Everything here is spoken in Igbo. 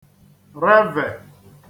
revè